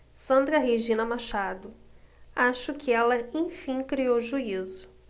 sandra regina machado acho que ela enfim criou juízo